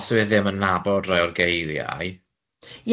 os yw e ddim yn nabod rai o'r geiriau.